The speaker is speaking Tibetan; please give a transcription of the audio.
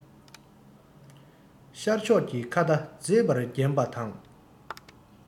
ཤར ཕྱོགས ཀྱི མཁའ མཐའ མཛེས པར བརྒྱན པ དང